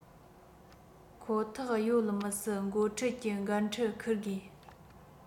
ཁོ ཐག ཡོད མི སྲིད འགོ ཁྲིད ཀྱི འགན འཁྲི འཁུར དགོས